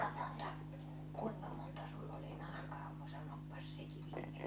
kuinka monta kuinka monta sinulla oli nahkaa sanopas sekin